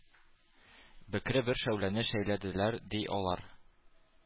Бөкре бер шәүләне шәйләделәр, ди, алар.